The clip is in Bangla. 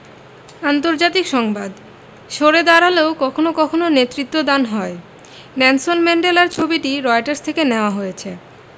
আন্তর্জাতিক সংবাদ সরে দাঁড়ালেও কখনো কখনো নেতৃত্বদান হয় নেনসন ম্যান্ডেলার ছবিটি রয়টার্স থেকে নেয়া হয়েছে